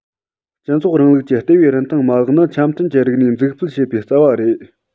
སྤྱི ཚོགས རིང ལུགས ཀྱི ལྟེ བའི རིན ཐང མ ལག ནི འཆམ མཐུན གྱི རིག གནས འཛུགས སྤེལ བྱེད པའི རྩ བ རེད